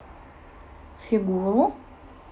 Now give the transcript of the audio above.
фигуру